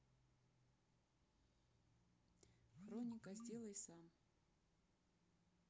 хроника сделай сам